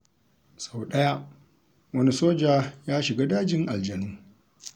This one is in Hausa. Sau ɗaya, wani soja ya shiga dajin aljanu.